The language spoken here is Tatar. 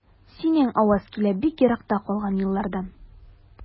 Синең аваз килә бик еракта калган еллардан.